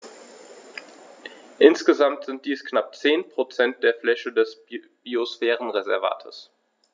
Insgesamt sind dies knapp 10 % der Fläche des Biosphärenreservates.